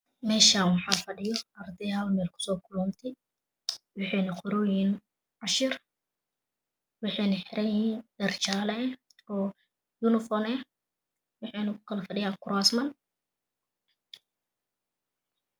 Meeshan waxaa fa dhiyo ardayaal meel kusoo kulantay waxayna qorooyiin cashir waxayna xiranyihiin dhar jaale ah oo uniform ah waxayna ku kala fadhiyaan kuraasman